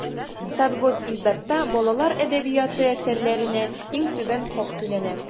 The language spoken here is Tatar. Татгосиздатта балалар әдәбияты әсәрләренә иң түбән хак түләнә.